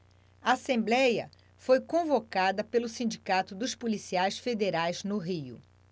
a assembléia foi convocada pelo sindicato dos policiais federais no rio